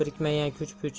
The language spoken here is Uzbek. birikmagan kuch puch